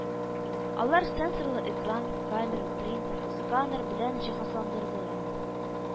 Алар сенсорлы экран, камера, принтер, сканер белән җиһазландырылган